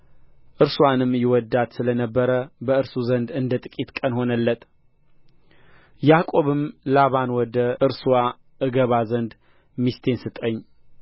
እርስዋንም ይወድዳት ስለነበረ በእርሱ ዘንድ እንደ ጥቂት ቀን ሆነለት ያዕቆብም ላባን ወደ እርስዋ እገባ ዘንድ ሚስቴን ስጠኝ